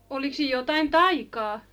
olikos siinä jotakin taikaa